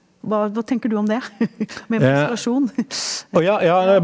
hva hva tenker du om det med isolasjon ?